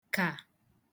kà